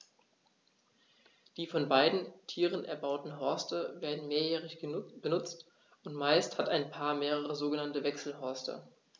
Die von beiden Tieren erbauten Horste werden mehrjährig benutzt, und meist hat ein Paar mehrere sogenannte Wechselhorste.